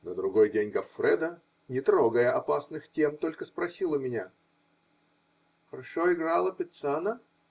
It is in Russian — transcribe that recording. На другой день Гоффредо, не трогая опасных тем, только спросил у меня: -- Хорошо играла Пеццана?